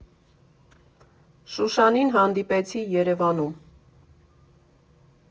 Շուշանին հանդիպեցի Երևանում։